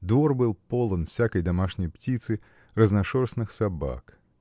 Двор был полон всякой домашней птицы, разношерстных собак.